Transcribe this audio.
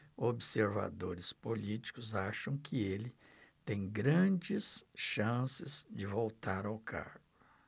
observadores políticos acham que ele tem grandes chances de voltar ao cargo